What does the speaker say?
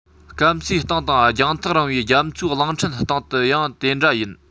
སྐམ སའི སྟེང དང རྒྱང ཐག རིང བའི རྒྱ མཚོའི གླིང ཕྲན སྟེང དུ ཡང དེ འདྲ ཡིན